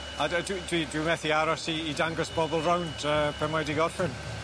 A dy- dwi dwi dwi methu aros i i dangos bobol rownd yy pan mae 'di gorffen.